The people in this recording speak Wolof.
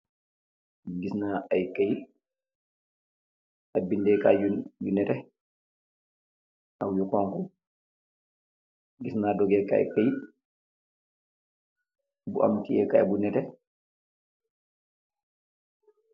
Gissna ay keyt ak bendeh kai yu neteh aam yu xonxa gissna dogey kai keyt bu aam teyeh kai bu neteh.